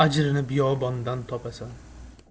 ajrini biyobondan topasan